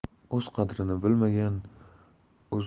o'z qadrini bilmagan